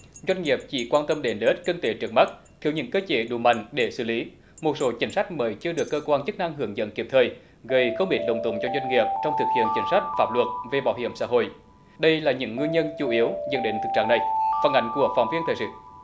doanh nghiệp chỉ quan tâm đến lợi ích kinh tế trước mắt thiếu những cơ chế đủ mạnh để xử lý một số chính sách mới chưa được cơ quan chức năng hướng dẫn kịp thời gây không ít lùng tùng cho doanh nghiệp trong thực hiện chính sách pháp luật về bảo hiểm xã hội đây là những nguyên nhân chủ yếu dẫn đến thực trạng này phản ánh của phóng viên thời sự